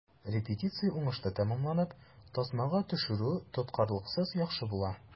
Репетиция уңышлы тәмамланып, тасмага төшерү тоткарлыксыз яхшы була.